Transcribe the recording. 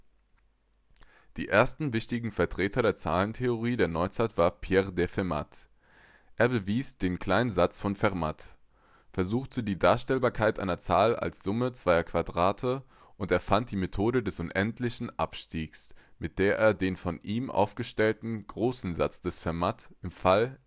Der erste wichtige Vertreter der Zahlentheorie der Neuzeit war Pierre de Fermat (1607 – 1665). Er bewies den kleinen Satz von Fermat, untersuchte die Darstellbarkeit einer Zahl als Summe zweier Quadrate und erfand die Methode des unendlichen Abstiegs, mit der er den von ihm aufgestellten großen Satz von Fermat im Fall